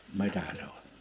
mitä se on